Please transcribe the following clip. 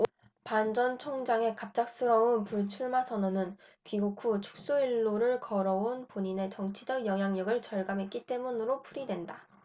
반 전총장의 갑작스러운 불출마선언은 귀국 후 축소일로를 걸어 온 본인의 정치적 영향력을 절감했기 때문으로 풀이된다